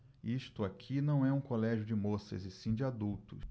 isto aqui não é um colégio de moças e sim de adultos